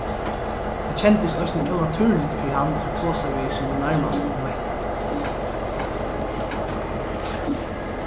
tað kendist eisini ónatúrligt fyri hann at tosa við síni nærmastu um hetta